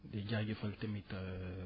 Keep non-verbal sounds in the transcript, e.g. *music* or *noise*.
di jaajëfal tamit *hesitation*